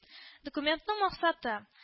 Документның максаты